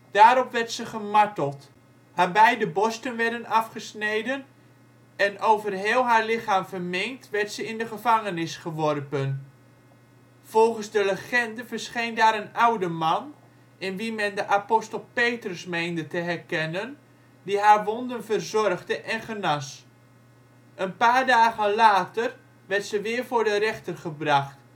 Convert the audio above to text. Daarop werd ze gemarteld; haar beide borsten werden afgesneden en over heel haar lichaam verminkt werd ze in de gevangenis geworpen. Volgens de legende verscheen daar een oude man (in wie men de apostel Petrus meende te herkennen) die haar wonden verzorgde en genas. Een paar dagen later werd ze weer voor de rechter gebracht